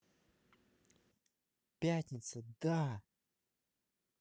пятница да